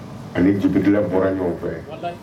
A jitila bɔra ɲɔgɔn fɛ